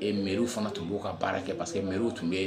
Ɛ miw fana tun b'u ka baara kɛ parce que mw tun bɛ yen